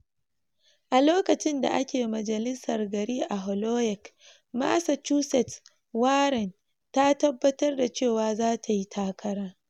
A lokacin da ake majalisar gari a Holyoke, Massachusetts, Warren Ta tabbatar da cewa za ta yi takara.